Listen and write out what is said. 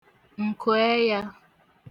ǹkùẹyā